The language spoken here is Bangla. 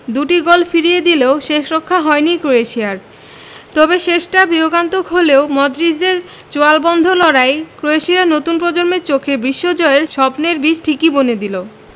দুটি গোল ফিরিয়ে দিলেও শেষরক্ষা হয়নি ক্রোয়েশিয়ার তবে শেষটা বিয়োগান্তক হলেও মডরিচদের চোয়ালবন্ধ লড়াই ক্রোয়েশিয়ার নতুন প্রজন্মের চোখে বিশ্বজয়ের স্বপ্নে বীজ ঠিকই বুনে দেবে